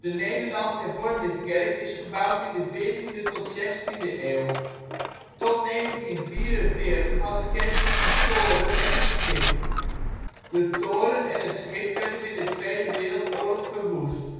Nederlands-hervormde kerk is gebouwd in de 14e-16e eeuw. Tot 1944 had de kerk nog een toren en een schip. De toren en het schip werden in de Tweede Wereldoorlog verwoest